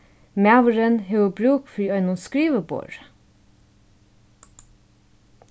maðurin hevur brúk fyri einum skriviborði